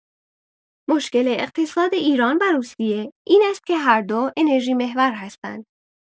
مشکل اقتصاد ایران و روسیه این است که هر دو انرژی‌محور هستند.